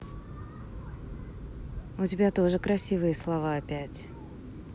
у тебя тоже красивые слова опять